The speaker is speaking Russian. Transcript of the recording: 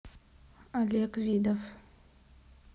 олег видов